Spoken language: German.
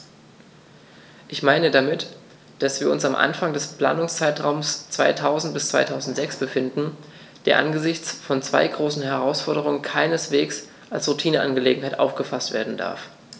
Ich meine damit, dass wir uns am Anfang des Planungszeitraums 2000-2006 befinden, der angesichts von zwei großen Herausforderungen keineswegs als Routineangelegenheit aufgefaßt werden darf.